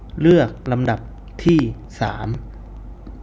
เลือกลำดับที่สาม